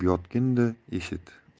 yotgin da eshit